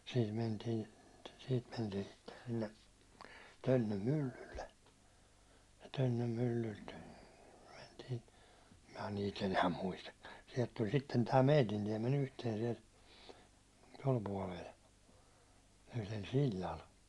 siitä mentiin siitä mentiin sitten sille Tönnön myllylle ja Tönnön myllyltä mentiin minä niitä enää muistakaan sieltä tuli sitten tämä meidän tiemme yhteen siellä tuolla puolella yhdellä sillalla